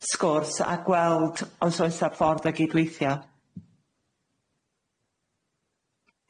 sgwrs a gweld os oes 'na ffordd o gydweithio?